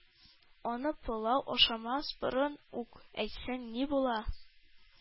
Аны пылау ашамас борын ук әйтсәң ни була!